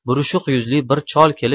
burushiq yuzli bir chol kelib